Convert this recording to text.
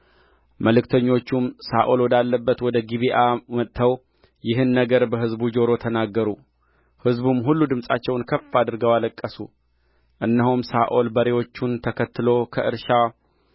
መልክተኞቹም ሳኦል ወዳለበት ወደ ጊብዓ መጥተው ይህን ነገር በሕዝቡ ጆሮ ተናገሩ ሕዝቡም ሁሉ ድምፃቸውን ከፍ አድርገው አለቀሱ እነሆም ሳኦል በሬዎቹን ተከትሎ ከእርሻው